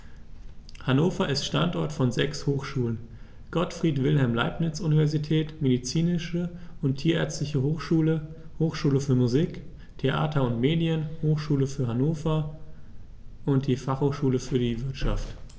Hannover ist Standort von sechs Hochschulen: Gottfried Wilhelm Leibniz Universität, Medizinische und Tierärztliche Hochschule, Hochschule für Musik, Theater und Medien, Hochschule Hannover und die Fachhochschule für die Wirtschaft.